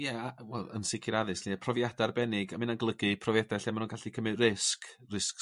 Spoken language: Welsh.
Ia y wel yn sicir addysg ne' y profiada arbennig a m'ynna'n golygu profiada lle ma' nw'n gallu cymyd risg risg